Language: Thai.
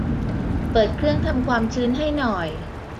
เปิดเครื่องทำความชื้นให้หน่อย